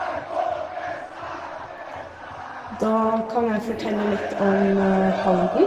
Da kan jeg fortelle litt om Halden.